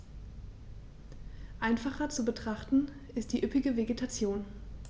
Einfacher zu betrachten ist die üppige Vegetation.